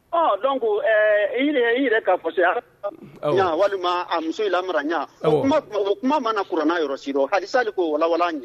Ɔ donc ɛɛ i yɛrɛ y'a faranfasiya; Awɔ; walima ka musow lamara ka ɲɛ; Awɔ; O kuma ma na Kurana yɔrɔ si la, hadisa de y'o walawala an ye.